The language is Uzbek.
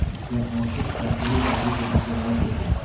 giyohvandlik qotillik oliy jazoga loyiq edi